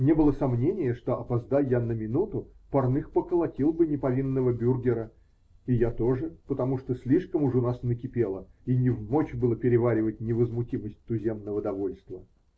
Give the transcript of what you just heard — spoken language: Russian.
Не было сомнения, что, опоздай я на минуту, Парных поколотил бы неповинного бюргера и я тоже, потому что слишком уж у нас накипело и невмочь было переваривать невозмутимость туземного довольства.